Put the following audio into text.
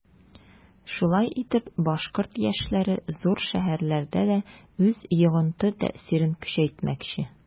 Шулай итеп башкорт яшьләре зур шәһәрләрдә дә үз йогынты-тәэсирен көчәйтмәкче.